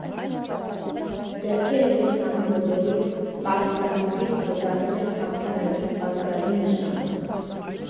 Ձեռքերը վեր հանձնվողի, պարտվածի դիրքը դարձրեց հաղթանակի պանծալի նշան։